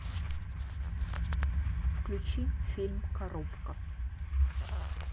включи фильм коробка